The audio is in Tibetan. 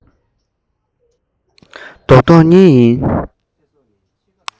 རྡོག རྡོག གཉིས ཡིན